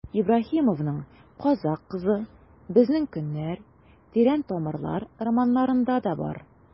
Ибраһимовның «Казакъ кызы», «Безнең көннәр», «Тирән тамырлар» романнарында да бар.